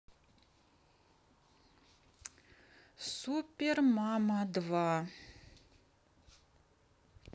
супер мама два